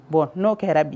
Bon n'o kɛra bi